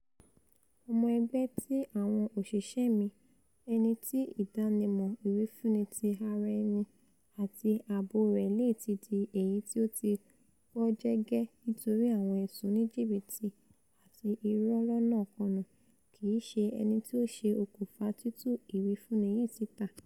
Ọmọ ẹgbẹ́ ti àwọn òṣìṣẹ́ mi - ẹnití ìdánimọ̀, ìwìfúnni ti ara-ẹni, àti ààbò rẹ̀ leè ti di èyití ó ti gbọ̀jẹ̀gẹ́ nítorí àwọn ẹ̀sùn oníjìbìtí ati irọ́ - lọ́nàkọ́nà kìi ṣe ẹnití ó ṣe okùnfà títú ìwífúnni yìí síta.